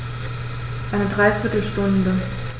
Eine dreiviertel Stunde